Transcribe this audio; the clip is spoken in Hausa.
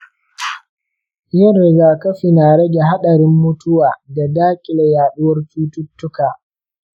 yin rigakafi na rage hadarin mutuwa da dakile yaduwar cututtuka.